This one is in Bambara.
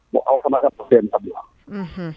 Bon aw fana ka da